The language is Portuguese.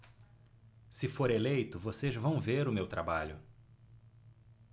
se for eleito vocês vão ver o meu trabalho